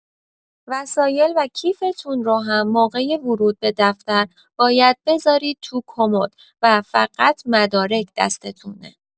وسایل و کیفتون رو هم موقع ورود به دفتر باید بزارید تو کمد و فقط مدارک دستتونه